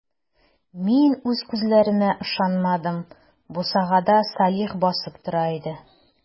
Мин үз күзләремә ышанмадым - бусагада Салих басып тора иде.